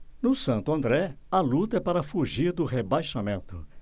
no santo andré a luta é para fugir do rebaixamento